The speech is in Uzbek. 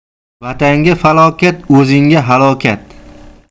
vatanga falokat o'zingga halokat